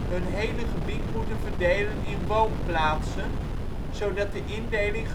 hun hele gebied moeten verdelen in woonplaatsen, zodat de indeling